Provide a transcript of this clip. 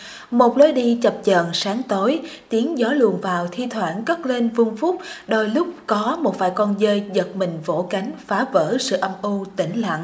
một lối đi chập chờn sáng tối tiếng gió luồn vào thi thoảng cất lên vun vút đôi lúc có một vài con dơi giật mình vỗ cánh phá vỡ sự âm u tĩnh lặng